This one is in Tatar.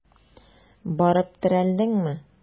Барып терәлдеңме?